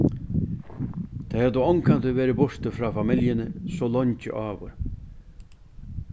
tey høvdu ongantíð verið burtur frá familjuni so leingi áður